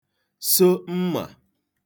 so mmà